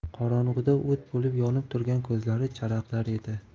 qorong'ida o't bo'lib yonib turgan ko'zlari charaqlar edi